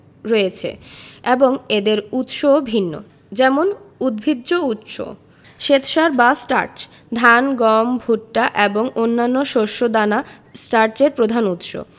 রয়েছে এবং এদের উৎসও ভিন্ন যেমন উদ্ভিজ্জ উৎস শ্বেতসার বা স্টার্চ ধান গম ভুট্টা এবং অন্যান্য শস্য দানা স্টার্চের প্রধান উৎস